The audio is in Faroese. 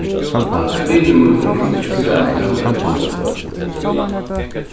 allir vinir mínir lurta eftir sama tónleiki sum eg